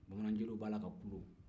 bamananjeliw b'a la ka kule